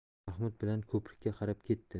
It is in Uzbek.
mahmud bilan ko'prikka qarab ketdi